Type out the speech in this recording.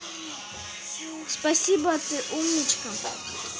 спасибо ты умничка